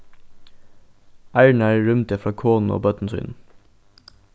arnar rýmdi frá konu og børnum sínum